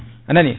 anani